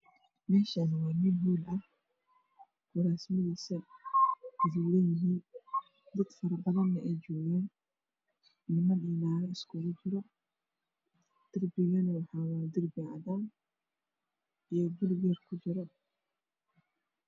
Meshan waa meel hool ah oo kuraasmadiisa gaduudan yihiin dadfara badana ay joogan niman naago iskugu jiraan darnigana waxaa weye darbi cadan iyo bulug yar kujiro